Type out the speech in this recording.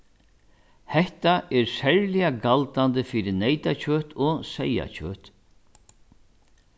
hetta er serliga galdandi fyri neytakjøt og seyðakjøt